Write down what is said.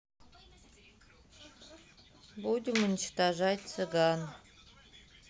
будем уничтожать цыган